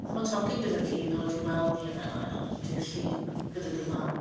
Ma' tocyn gyda fi i ddod i weld Nia Ben Aur ar y dydd Llun, gyda dy mam.